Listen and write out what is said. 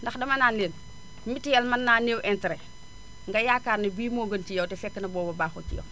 ndax dama naan leen mutuel mën naa néew intéret nga yaakaar ne bii moo gën ci yow te fekk na booba baaxul ci yow